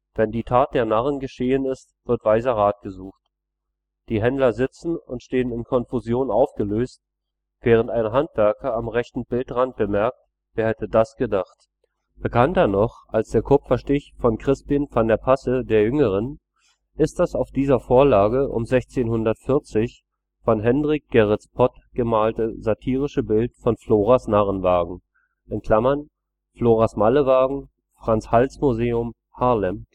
Wenn die Tat der Narren geschehen ist, wird weiser Rat gesucht “). Die Händler sitzen und stehen in Konfusion aufgelöst, während ein Handwerker am rechten Bildrand bemerkt: Wie hat dat gemeent („ Wer hätte das gedacht “). Bekannter noch als der Kupferstich von Crispin van der Passe d.J. ist das auf dieser Vorlage um 1640 von Hendrik Gerritz Pot gemalte satirische Bild von Floras Narrenwagen (Flora’ s Mallewagen, Frans-Hals-Museum, Haarlem